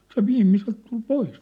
se viimeiseltä tuli pois